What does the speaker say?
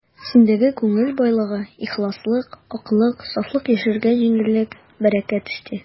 Синдәге күңел байлыгы, ихласлык, аклык, сафлык яшәргә җиңеллек, бәрәкәт өсти.